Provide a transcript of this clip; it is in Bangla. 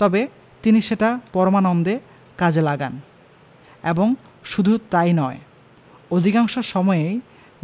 তবে তিনি সেটা পরমানন্দে কাজে লাগান এবং শুধু তাই নয় অধিকাংশ সময়েই